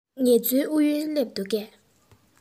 ངལ རྩོལ ཨུ ཡོན སླེབས འདུག གས